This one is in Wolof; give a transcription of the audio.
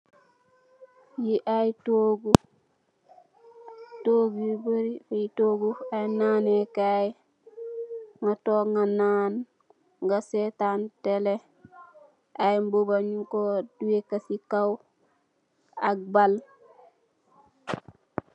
Lii aye toogu, toogu yu bori, aye toogu, aye naanee kaay, nga took nga naan, nga seetaan tele, aye mbuba nyunka weka si kaw, ak bal.